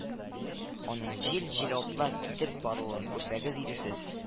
Аның җил-җил атлап китеп баруын күрсәгез иде сез